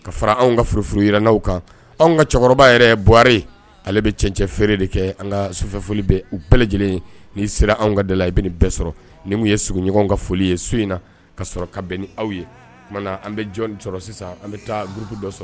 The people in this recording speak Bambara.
Ka fara anw ka furu furu jira n' kan anw ka cɛkɔrɔba yɛrɛ buwa ale bɛ cɛncɛ feere de kɛ an ka sufɛoli bɛ u bɛɛ lajɛlen n'i sera an ka dala la i bɛ bɛɛ sɔrɔ ni ye suguɲɔgɔn ka foli ye so in na ka sɔrɔ ka bɛn ni aw ye na an bɛ jɔn sɔrɔ sisan an bɛ taauru dɔ sɔrɔ